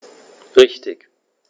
Richtig